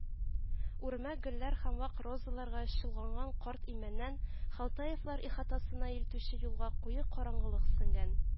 Үрмә гөлләр һәм вак розаларга чолганган карт имәннән Халтаевлар ихатасына илтүче юлга куе караңгылык сеңгән